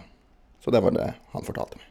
Så det var det han fortalte meg.